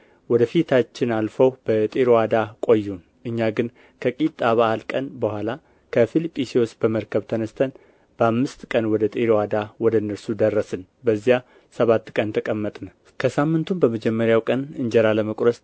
ወደ ፊታችን አልፈው በጢሮአዳ ቆዩን እኛ ግን ከቂጣ በዓል ቀን በኋላ ከፊልጵስዩስ በመርከብ ተነሥተን በአምስት ቀን ወደ ጢሮአዳ ወደ እነርሱ ደረስንና በዚያ ሰባት ቀን ተቀመጥን ከሳምንቱም በመጀመሪያ ቀን እንጀራ ለመቁረስ